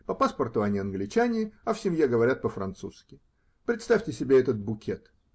по паспорту они англичане, а в семье говорят по-французски. Представьте себе этот букет!